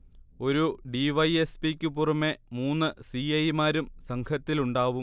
ഒരു D. Y. S. പിക്കു പുറമെ മൂന്ന് സി. ഐ. മാരും സംഘത്തിലുണ്ടാവും